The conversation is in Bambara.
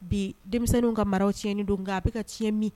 Bi denmisɛnw ka maraw tiɲɛni don kan a bɛ ka tiɲɛn min